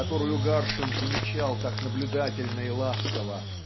которую Гаршин замечал так наблюдательно и ласково